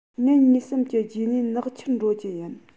ཉིན གཉིས གསུམ གྱི རྗེས ནས ནག ཆུར འགྲོ རྒྱུ ཡིན